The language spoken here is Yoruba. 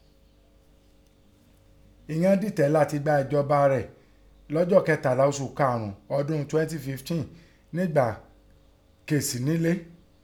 Igban dìtẹ̀ láti gba ìjọba rẹ̀ lọ́jọ́ kẹtàlá oṣù karùn ún ọdún twenty fifteen nígbà kè sí nílé.